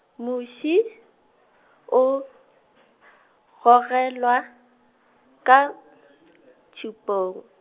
muši, o , gogelwa, ka, tšhupung.